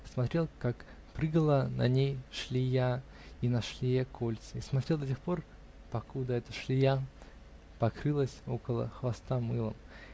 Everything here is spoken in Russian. смотрел, как прыгала на ней шлея и на шлее кольца, и смотрел до тех пор, покуда эта шлея покрылась около хвоста мылом.